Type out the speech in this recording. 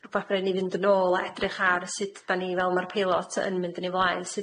Rwbath fu rai' ni fynd yn ôl a edrych ar. Sud 'dan ni, fel ma'r peilot yn mynd yn ei flaen, sud